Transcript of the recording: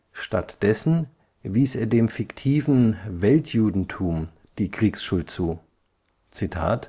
Stattdessen wies er dem fiktiven „ Weltjudentum “die Kriegsschuld zu: „ Es